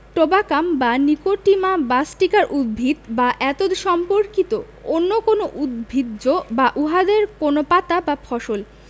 টোবাকাম বা নিকোটিমা বাসটিকার উদ্ভিদ বা এতদ্ সম্পর্কিত অন্য কোন উদ্ভিজ্জ বা উহাদের কোন পাতা বা ফসল